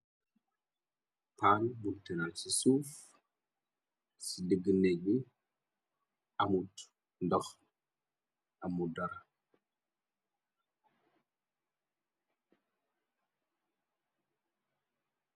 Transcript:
Paan buteral ci suuf ci diggne bi amut ndox amu dara.